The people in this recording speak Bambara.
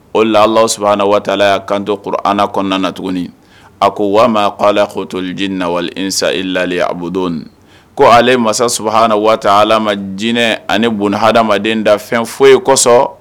O la saba waatitalaya kanto koro an kɔnɔna na tuguni a ko waa k ko la htoliji nawale in sayila a bolodo ko ale masa sabaha waa ma dinɛ ani bon hadamaden dafɛn foyi ye kosɔn